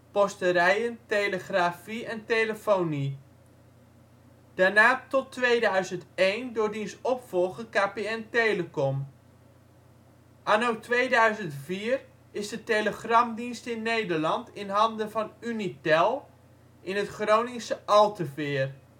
Posterijen, Telegrafie en Telefonie). Daarna tot 2001 door diens opvolger KPN Telecom. Anno 2004 is de telegramdienst in Nederland in handen van Unitel in het Groningse Alteveer